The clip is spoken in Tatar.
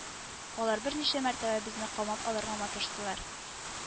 Алар берничә мәртәбә безне камап алырга маташтылар